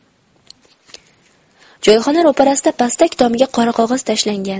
choyxona ro'parasida pastak tomiga qora qog'oz tashlangan